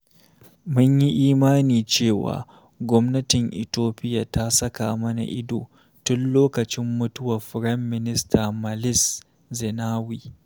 Mun yi imanin cewa, gwamnatin Ethiopia ta saka mana ido tun lokacin mutuwar Firaminista Males Zenawi.